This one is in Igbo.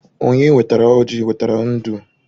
Onye wetara ọjị wetara ndụ